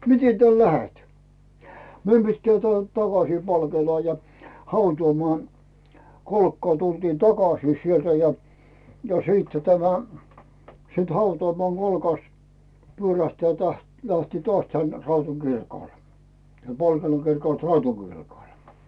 miten täältä lähdet meidän pitää täältä takaisin Palkeelaan ja hautausmaan kolkkaan tultiin takaisin sieltä ja siitä tämä sitten hautausmaan kolkasta pyörähtää - lähteä taas tänne Raudun kirkolle siellä Poltenon kirkolta Raudun kirkolle